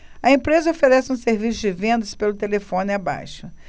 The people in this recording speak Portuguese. a empresa oferece um serviço de vendas pelo telefone abaixo